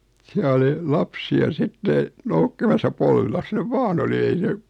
siellä oli lapsia sitten noukkimassa polvillansa ne vain oli ei se